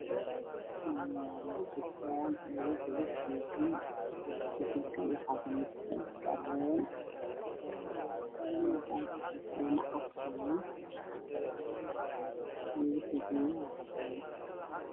Waxaa ii muuqda laba caadad midabkoodu yahay caddaan nin saaran